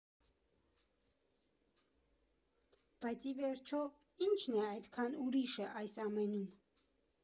Բայց ի վերջո, ի՞նչն է այդքան ուրիշը այս ամենում։